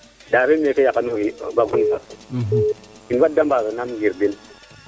*